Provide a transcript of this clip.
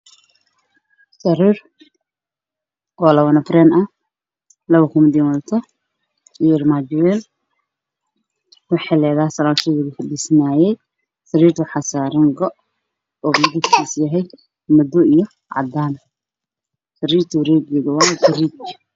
Sariir labo nafar ah iyo kuraas teeda